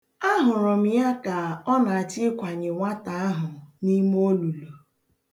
A hụrụ m ya ka ọ na-achọ ikwanye nwata ahụ n'ime olulu.